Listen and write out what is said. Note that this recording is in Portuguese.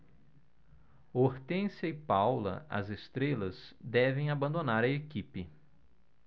hortência e paula as estrelas devem abandonar a equipe